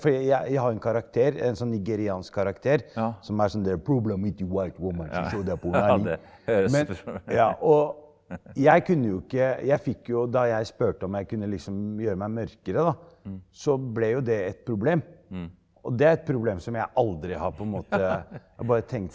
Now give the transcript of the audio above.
fordi jeg jeg har jo en karakter en sånn nigeriansk karakter som er sånn men ja og jeg kunne jo ikke jeg fikk jo da jeg spurte om jeg kunne liksom gjøre meg mørkere da så ble jo det et problem og det er et problem som jeg aldri har på en måte jeg har bare tenkt.